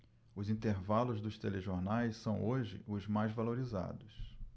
os intervalos dos telejornais são hoje os mais valorizados